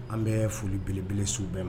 An bɛ foli belebelesiww bɛɛ ma